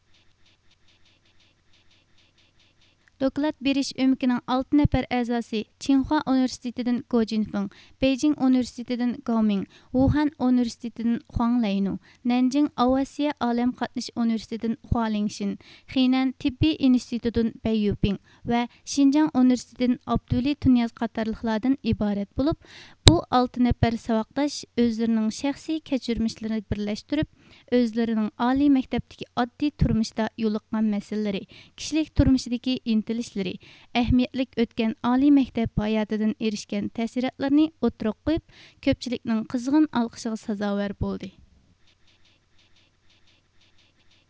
دوكلات بېرىش ئۆمىكىنىڭ ئالتە نەپەر ئەزاسى چىڭخۇا ئۇنىۋېرسىتېتىدىن گۇجېنفېڭ بېيجىڭ ئۇنىۋېرسىتېتىدىن گاۋمىڭ ۋۇخەن ئۇنىۋېرسىتېتىدىن خۇاڭلەينۈ نەنجىڭ ئاۋىئاتسىيە ئالەم قاتنىشى ئۇنىۋېرسىتېتىدىن خۇلېڭشىن خېنەن تېببىي ئىنستىتۇتىدىن بەييۈپىڭ ۋە شىنجاڭ ئۇنىۋېرسىتېتىدىن ئابدۇۋەلى تۇنىياز قاتارلىقلاردىن ئىبارەت بولۇپ بۇ ئالتە نەپەر ساۋاقداش ئۆزلىرىنىڭ شەخسىي كەچۈرمىشلىرىگە بىرلەشتۈرۈپ ئۆزلىرىنىڭ ئالىي مەكتەپتىكى ئاددىي تۇرمۇشىدا يولۇققان مەسىلىلىرى كىشىلىك تۇرمۇشىدىكى ئىنتىلىشلىرى ئەھمىيەتلىك ئۆتكەن ئالىي مەكتەپ ھاياتىدىن ئېرىشكەن تەسىراتلىرىنى ئوتتۇرىغا قويۇپ كۆپچىلىكنىڭ قىزغىن ئالقىشىغا سازاۋەر بولدى